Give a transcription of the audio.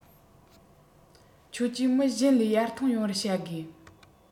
ཁྱོད ཀྱིས མི གཞན ལས ཡར ཐོན ཡོང བར བྱ དགོས